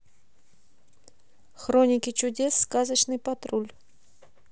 хроники чудес сказочный патруль